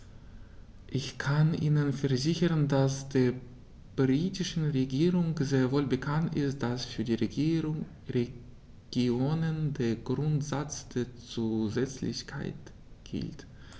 Ich kann Ihnen versichern, dass der britischen Regierung sehr wohl bekannt ist, dass für die Regionen der Grundsatz der Zusätzlichkeit gilt.